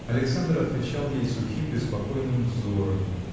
Александр отвечал ей сухим, беспокойным взором.